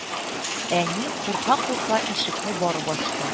Әни, курка-курка, ишекне барып ачты